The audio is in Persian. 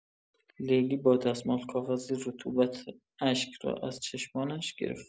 لیلی با دستمال کاغذی، رطوبت اشک را از چشمانش گرفت.